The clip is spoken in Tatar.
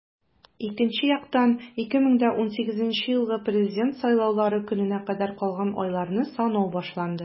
Икенче яктан - 2018 елгы Президент сайлаулары көненә кадәр калган айларны санау башланды.